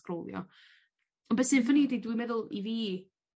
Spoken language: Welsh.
sgrowlio. Ond be sy'n funny 'di dwi meddwl i fi